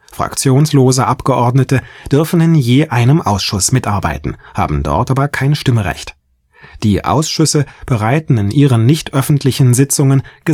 Fraktionslose Abgeordnete dürfen in je einem Ausschuss mitarbeiten, haben dort aber kein Stimmrecht. Die Ausschüsse bereiten in ihren nichtöffentlichen Sitzungen Gesetzentwürfe